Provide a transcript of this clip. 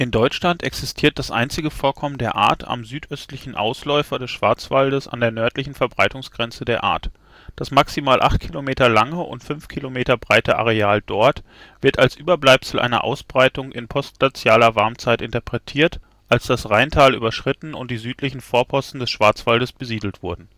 Deutschland existiert das einzige Vorkommen der Art am südöstlichen Ausläufer des Schwarzwaldes an der nördlichen Verbreitungsgrenze der Art. Das maximal acht Kilometer lange und fünf Kilometer breite Areal dort wird als Überbleibsel einer Ausbreitung in postglazialer Warmzeit interpretiert, als das Rheintal überschritten und die südlichen Vorposten des Schwarzwaldes besiedelt wurden